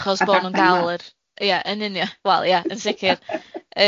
'Chos bo' nw'n gal yr ia yn union wel ia yn sicir.